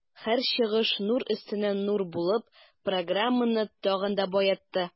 Һәр чыгыш нур өстенә нур булып, программаны тагын да баетты.